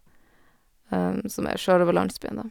Som er sjølve landsbyen, da.